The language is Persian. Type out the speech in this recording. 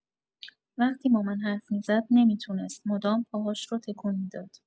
وقتی با من حرف می‌زد نمی‌تونست مدام پاهاش رو تکون می‌داد.